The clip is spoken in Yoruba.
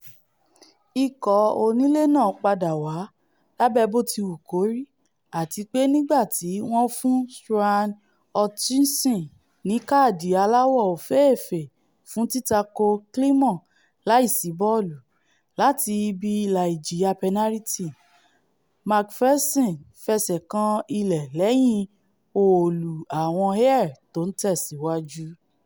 Ikọ̀ onílé náà padà wá, lábẹ̀ botiwukori, àtipé nígbà tí wọ́n fún Struan Hutchinson ni káàdì aláwọ̀ òfééèfé fún títako Climo láìsí bọ́ọ̀lù, láti ibi ìlà ìjìyà pẹnariti, MacPherson fẹṣẹ̀ kan ilẹ̀ lẹ́yìn òòlù àwọn Ayr tó ńtẹ̀síwájú.